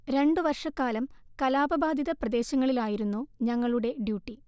രണ്ടു വർഷക്കാലം കലാപബാധിത പ്രദേശങ്ങളിൽ ആയിരുന്നു ഞങ്ങളുടെ ഡ്യൂട്ടി